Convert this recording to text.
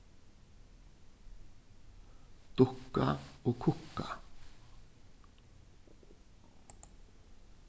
dukka og kukka